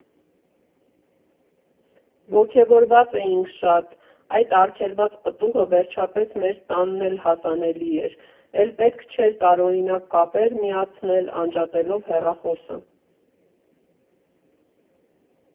Ոգևորված էինք շատ, այդ «արգելված պտուղը» վերջապես մեր տանն էլ հասանելի էր, էլ պետք չէր տարօրինակ կապեր միացնել՝ անջատելով հեռախոսը։